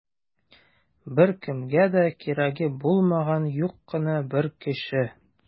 Беркемгә дә кирәге булмаган юк кына бер кеше.